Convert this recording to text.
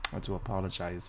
I do apologise.